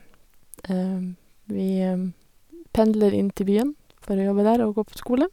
Vi pendler inn til byen for å jobbe der og gå på skole.